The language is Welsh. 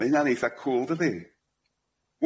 ma' hynna'n eitha cŵl dydi?